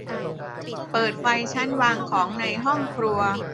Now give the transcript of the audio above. เปิดไฟชั้นวางของในห้องครัว